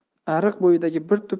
ariq bo'yidagi bir